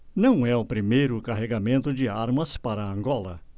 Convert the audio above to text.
não é o primeiro carregamento de armas para angola